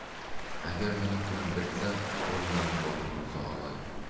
agar mening kunim bitsa o'rnimni bobur mirzo olg'ay